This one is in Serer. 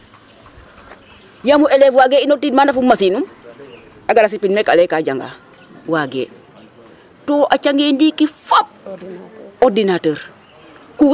Yaam o elew waagee inoortiidaa maana fo machine num a gara simin meke ale ka jangaa waagee to a cang ndiki fop ordinateur.